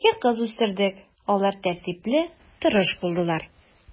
Ике кыз үстердек, алар тәртипле, тырыш булдылар.